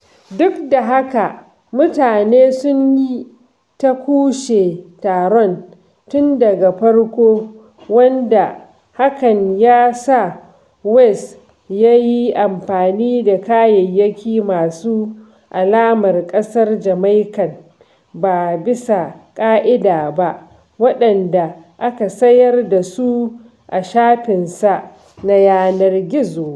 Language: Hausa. Duk da haka, mutane sun yi ta kushe taron tun daga farko, wanda hakan ya sa West ya yi amfani da kayayyaki masu alamar ƙasar Jamaikan ba bisa ƙa'ida ba waɗanda aka sayar da su a shafinsa na yanar gizo.